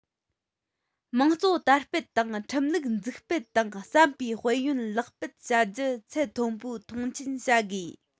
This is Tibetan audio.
དམངས གཙོ དར སྤེལ དང ཁྲིམས ལུགས འཛུགས སྤེལ དང བསམ པའི དཔལ ཡོན ལེགས སྤེལ བྱ རྒྱུར ཚད མཐོའི མཐོང ཆེན བྱ དགོས